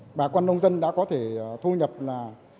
bà con nông dân đã có thể thu nhập là